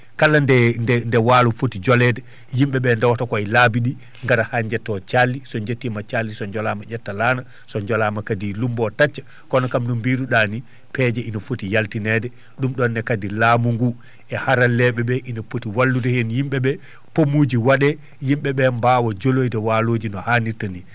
kala nde nde waalo foti joleede yimɓe ɓee dewata koye laabi ɗi ngara haa njettoo calli so jettima calli so jolaama ƴettaa laana so jolaama kadi lumbo tacca kono kam no biruɗani peeje ene foti yaltinede ɗum ɗonne kadi laamu ngu e haralleeɓe ɓe ine poti wallude heen yimɓe ɓe pommuji waɗe yimɓe ɓe mbaawa joloyde waalooji no haanirta nii